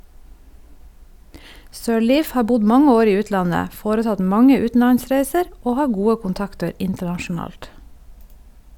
Sirleaf har bodd mange år i utlandet, foretatt mange utenlandsreiser og har gode kontakter internasjonalt.